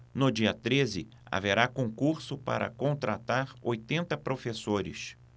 no dia treze haverá concurso para contratar oitenta professores